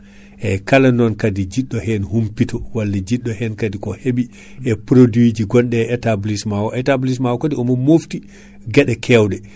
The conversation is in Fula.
eyyi kala non kaadi jidɗo hen humpito walla jidɗo hen kaadi ko heɓi e produit ji gonɗe établissement o établissement o kaadi omo mofti gueɗe kewɗe